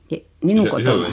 - minun -